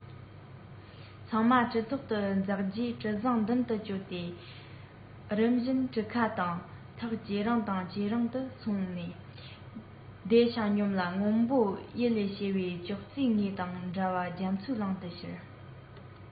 ཚང མ གྲུ ཐོག ཏུ འཛེགས རྗེས གྲུ གཟིངས མདུན དུ བསྐྱོད དེ རིམ བཞིན གྲུ ཁ དང ཐག ཇེ རིང ཇེ རིང དུ སོང ནས བདེ ཞིང སྙོམས ལ སྔོན པོ གཡུ ལས བྱས པའི ཅོག ཙེའི ངོས དང འདྲ བའི རྒྱ མཚོའི ཀློང དུ ཞུགས